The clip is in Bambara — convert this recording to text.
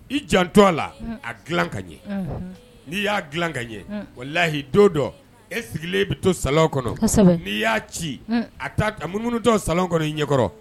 I janto a la, un, a dilan ka ɲɛ , unhun, n'i y'a dilan ka ɲɛ, un, walayi don dɔ e sigilen bɛ to salon kɔnɔ, kosɛbɛ, n'i y'a ci, a taa a munumunu tɔ salon kɔnɔ i ɲɛkɔrɔ